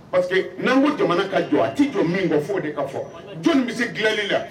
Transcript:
Parce que n'an ko jamana ka jɔ a tɛ jɔ min kɔ fɔ de ka fɔ jɔn bɛ se dilanli la